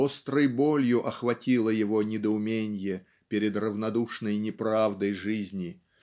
острой болью охватило его недоуменье перед равнодушной неправдой жизни